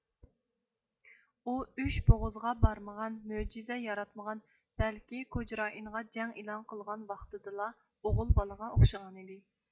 ئۇ ئۈچ بوغۇزغا بارمىغان مۆجىزە ياراتمىغان بەلكى كوجرائىنغا جەڭ ئېلان قىلغان ۋاقتىدىلا ئوغۇل بالىغا ئوخشىغانىدى